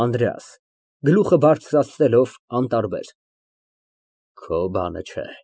ԱՆԴՐԵԱՍ ֊ (Գլուխը բարձրացնելով, անտարբեր) Քո բանը չէ։